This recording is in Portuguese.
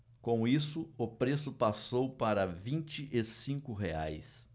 com isso o preço passou para vinte e cinco reais